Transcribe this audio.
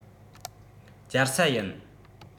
རྒྱལ ས ཡིན